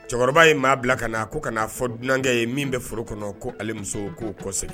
Cɛkɔrɔba ye maa bila ka na ko ka n'a fɔ dunankɛ ye min bɛ foro kɔnɔ ko ale muso ko kɔseginna!